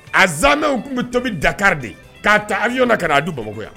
A zanmew tun bɛ tobi dakari de k'a ta aliyɔn ka'a du bama yan